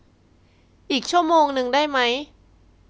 อีกชั่วโมงนึงได้ไหม